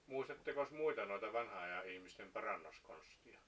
muistattekos muita noita vanhan ajan ihmisten parannuskonsteja